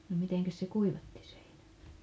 no mitenkäs se kuivattiin se heinä